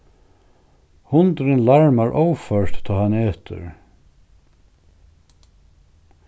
hundurin larmar óført tá hann etur